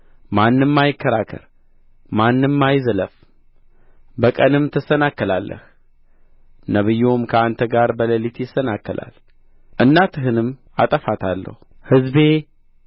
ማንም አይከራከር ማንም አይዝለፍ በቀንም ትሰናከላለህ ነቢዩም ከአንተ ጋር በሌሊት ይሰናከላል እናትህንም አጠፋታለሁ ሕዝቤ